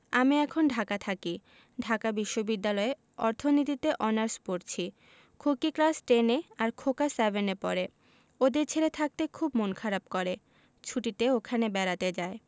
আমি এখন ঢাকা থাকি ঢাকা বিশ্ববিদ্যালয়ে অর্থনীতিতে অনার্স পরছি খুকি ক্লাস টেন এ আর খোকা সেভেন এ পড়ে ওদের ছেড়ে থাকতে খুব মন খারাপ করে ছুটিতে ওখানে বেড়াতে যাই